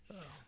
waaw